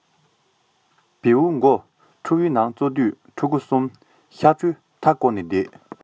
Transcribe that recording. བེའུ མགོ ཕྲུ བའི ནང བཙོ དུས ཕྲུ གུ གསུམ ཤ ཕྲུར མཐའ སྐོར ནས བསྡད